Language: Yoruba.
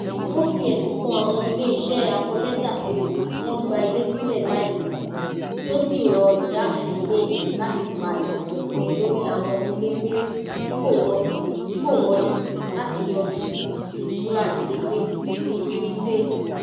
Ó fi ẹ̀sùn kan àwọn ilé iṣẹ́ akọ́létà pé wọ́n ń gba ilẹ̀ sílẹ̀ lái lò wọ̀n, tí ó sí rọ ìyáàfin May láti pa ìlànà ìpín lórí àwọn ilégbèé tí kò wọ́n jù láti yanjú “ìtìjú àìrílégbé.” ní Bírítéénì